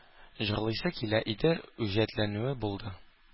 Җырлыйсы килә иде, үҗәтләнүе булды